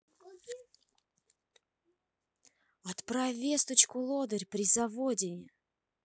отправь весточку лодырь при заводине